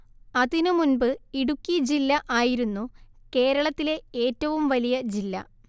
അതിനു മുൻപ് ഇടുക്കി ജില്ല ആയിരുന്നു കേരളത്തിലെ ഏറ്റവും വലിയ ജില്ല